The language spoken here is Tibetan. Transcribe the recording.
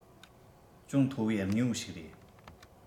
ཅུང མཐོ བའི དངོས པོ ཞིག རེད